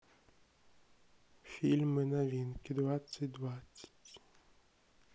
фильмы новинки двадцать двадцать